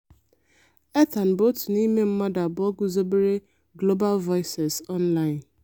Ethan bụ otu n'ime mmadụ abụọ guzobere Global Voices Online